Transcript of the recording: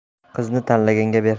qizni tanlaganga ber